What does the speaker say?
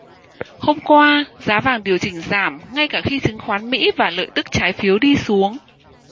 hôm qua giá vàng điều chỉnh giảm ngay cả khi chứng khoán mỹ và lợi tức trái phiếu đi xuống